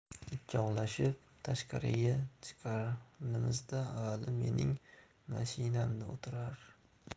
ikkovlashib tashqariga chiqqanimizda vali mening mashinamda o'tirar